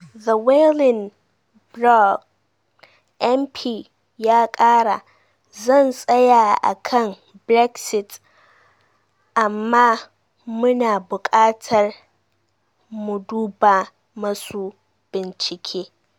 The Wellingborough MP ya kara: 'Zan tsaya a kan Brexit amma mu na buƙatar mu duba masu bincike.'